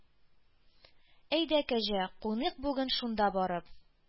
«әйдә, кәҗә, куныйк бүген шунда барып.